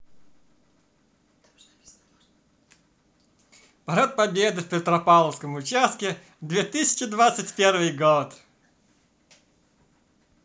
парад победы в петропавловском участке две тысячи двадцать первый год